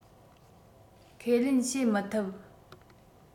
ཁས ལེན བྱེད མི ཐུབ